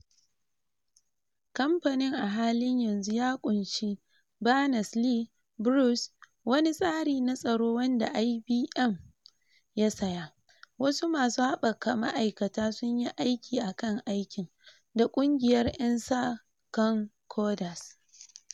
Kamfanin a halin yanzu ya ƙunshi Berners-Lee, Bruce, wani tsari na tsaro wanda IBM ya saya, wasu masu haɓaka ma'aikata sun yi aiki akan aikin, da ƙungiyar ‘yan sa kan coders.